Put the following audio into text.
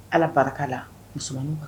Ala barika la musoman kan